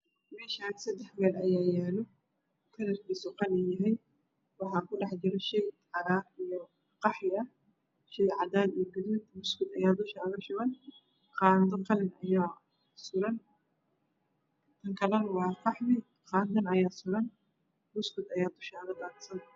Meeshaan seddex weel ayaa yaalo kalarkiisu qalin yahay waxaa ku dhex jiro shay cagaar iyo qaxwi ah shay gaduud ah ayaa dusha ogashuban qaado qalin ah ayaa suran kan kalana waa qaxwi qaado ayaa suran buskud ayaa kudaasan.